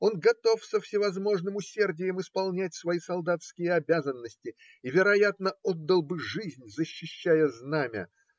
он готов со всевозможным усердием исполнять свои солдатские обязанности и, вероятно, отдал бы жизнь, защищая знамя